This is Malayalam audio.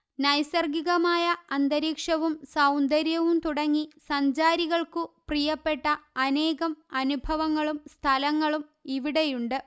നൈസര്ഗികമായ അന്തരീക്ഷവും സൌന്ദര്യവും തുടങ്ങി സഞ്ചാരികള്ക്കു പ്രിയപ്പെട്ട അനേകം അനുഭവങ്ങളും സ്ഥലങ്ങളും ഇവിടെയുണ്ട്